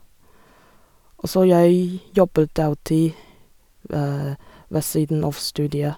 Og så jeg jobber deltid ved siden av studiet.